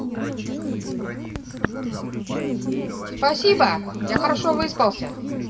спасибо я хорошо выспался